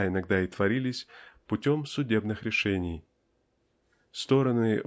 а иногда и творились путем судебных решений. Стороны